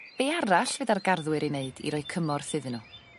...be' arall fedar garddwyr 'u wneud i roi cymorth iddyn n'w?